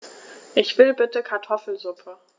Ich will bitte Kartoffelsuppe.